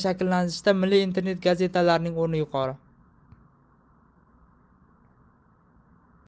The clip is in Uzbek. shakllantirishda milliy internet gazetalarning o'rni yuqori